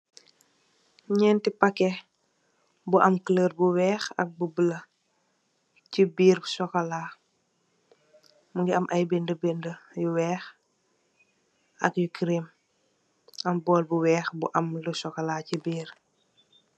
Nyenti packi bu am kulor bu weex ak bu bulo ci birr sokola , mungi am ay binda binda yu weex ak yu creem, am bol weex bu am lu sokola ci birr.